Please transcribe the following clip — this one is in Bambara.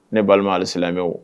Ne balima hali silamɛ n bɛ wa